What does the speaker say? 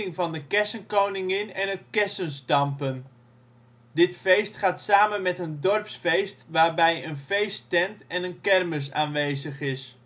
van de Kersenkoningin en het kersenstampen. Dit feest gaat samen met een dorpsfeest waarbij een feesttent en een kermis aanwezig is